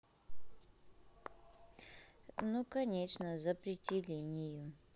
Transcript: ну конечно запрети линию